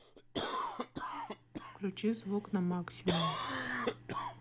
включи звук на максимум